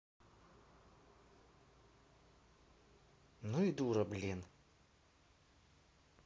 ну и дура блин